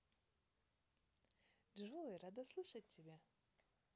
джой рада слышать тебя